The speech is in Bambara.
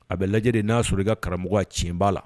A bɛ lajɛ n'a sɔrɔ i ka karamɔgɔ tiɲɛba la